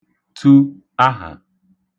tu ahà